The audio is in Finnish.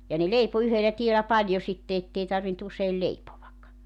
ja ne leipoi yhdellä tiellä paljon sitten että ei tarvinnut usein leipoa